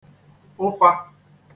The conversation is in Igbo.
ụfa